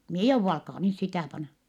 en minä jouda alkaa nyt sitä panna